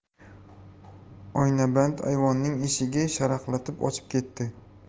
oynaband ayvonning eshigini sharaqlatib ochib keti